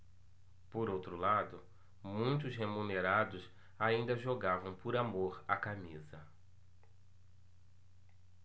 por outro lado muitos remunerados ainda jogavam por amor à camisa